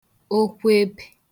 okwebē